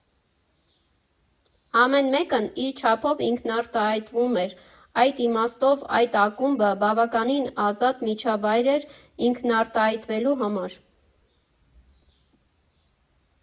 Ամեն մեկն իր չափով ինքնարտահայտվում էր, այդ իմաստով այդ ակումբը բավականին ազատ միջավայր էր ինքնարտահայտվելու համար։